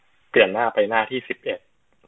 เปลี่ยนหน้าไปหน้าที่สิบเอ็ด